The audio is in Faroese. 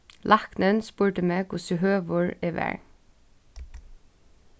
læknin spurdi meg hvussu høgur eg var